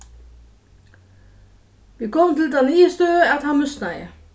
vit komu til ta niðurstøðu at hann møsnaði